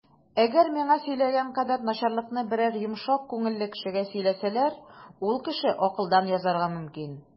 Әгәр миңа сөйләгән кадәр начарлыкны берәр йомшак күңелле кешегә сөйләсәләр, ул кеше акылдан язарга мөмкин.